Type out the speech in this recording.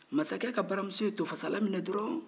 masakɛ ka baramuso ye tofasalan minɛ dɔrɔn